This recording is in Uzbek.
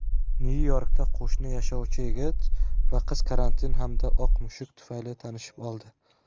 nyu yorkda qo'shni yashovchi yigit va qiz karantin hamda oq mushuk tufayli tanishib oldi